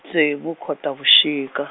tsevu Khotavuxika.